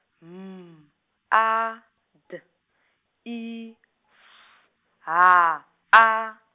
M A D I F H A.